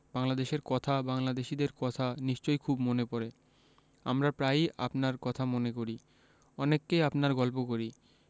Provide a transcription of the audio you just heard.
বাংলাদেশের কথা বাংলাদেশীদের কথা নিশ্চয় খুব মনে পরে আমরা প্রায়ই আপনার কথা মনে করি অনেককেই আপনার গল্প করি